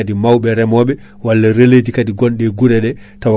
hono ndemateri men ɓurde jogade caɗele e Fouta